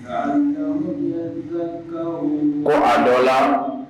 Ko a dɔ la